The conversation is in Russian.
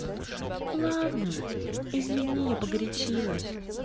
ладно извини я погорячилась